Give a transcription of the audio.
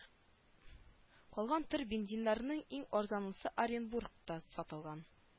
Калган төр бензиннарның иң арзанлысы оренбургта сатылган